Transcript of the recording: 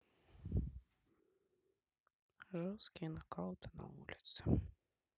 жесткие нокауты на улице